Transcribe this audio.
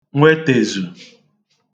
nwetèzù